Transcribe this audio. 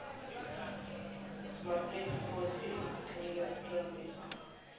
смотреть мультфильм книга джунглей